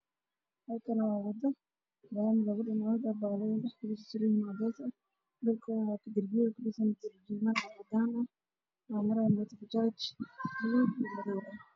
Meeshan waa meel laami ah Waxaa ka muuqda oo marayo hannin oo watash ah tii surwaal